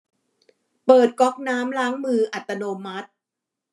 เปิดก๊อกน้ำล้างมืออัตโนมัติ